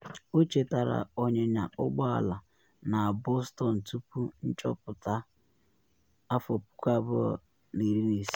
Ọ chetara ọnyịnya ụgbọ ala na Boston tupu nhọpụta 2016.